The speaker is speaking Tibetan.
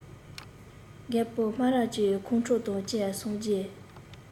རྒད པོ སྨ ར ཅན ཁོང ཁྲོ དང བཅས སོང རྗེས